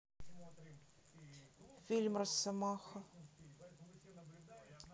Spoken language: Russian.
фильм росомаха